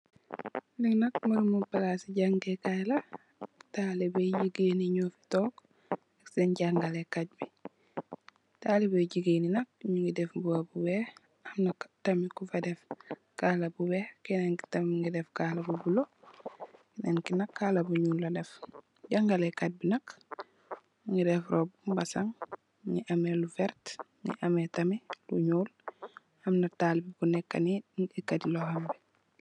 Lee nak meremu plase jagekay la talibeh yu jegain ye nufe tonke ak sen jagalekate be talibeh yu jegain ye nak nuge def muba bu weex amna tamin kufa def kala bu weex kenen ke tamin muge def kala bu bulo kenenke nak kala bu nuul la def jangelekat be nak muge def roubu mazing muge ameh lu verte muge ameh tamin lu nuul amna talibeh bu neka nee muge ekate lohom be.